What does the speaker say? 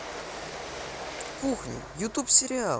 кухня ютуб сериал